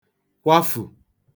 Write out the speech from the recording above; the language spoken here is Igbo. kwafù